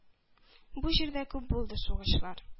Бу җирдә күп булды сугышлар,